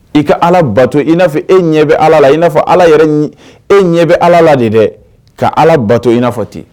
I ka ala bato i n'a fɔ e ɲɛ bɛ ala la i n'a fɔ ala yɛrɛ e ɲɛ bɛ ala la de dɛ ka ala bato i n'a fɔ ten